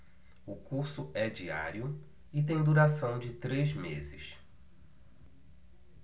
o curso é diário e tem duração de três meses